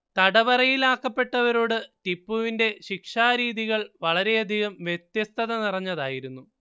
തടവറയിലാക്കപ്പെട്ടവരോടു ടിപ്പുവിന്റെ ശിക്ഷാരീതികൾ വളരെയധികം വ്യത്യസ്തത നിറഞ്ഞതായിരുന്നു